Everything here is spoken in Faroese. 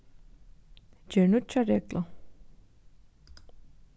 ger nýggja reglu